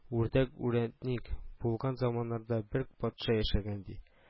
Үрдәк үрәтник булган заманнарда бер патша яшәгән, ди